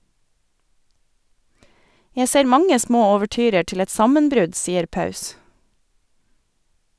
Jeg ser mange små ouverturer til et sammenbrudd, sier Paus.